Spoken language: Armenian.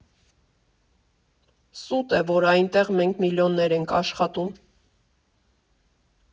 Սուտ է, որ այնտեղ մենք միլիոններ ենք աշխատում։